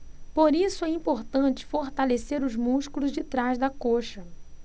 por isso é importante fortalecer os músculos de trás da coxa